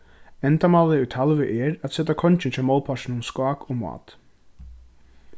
endamálið í talvi er at seta kongin hjá mótpartinum skák og mát